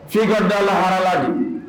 F ka dala laharala de